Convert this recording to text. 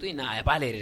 To a b'a yɛrɛ